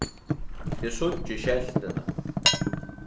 eg síggi skeltini